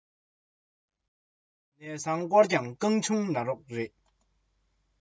ལེགས པོ ང དང མཛེས པོ ང ཟེར གྱི